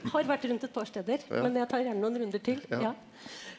har vært rundt et par steder, men jeg tar gjerne noen runder til ja.